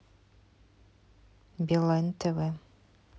билайн тв